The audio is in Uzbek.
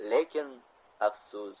lekin afsus